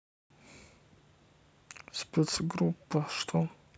спецгруппа что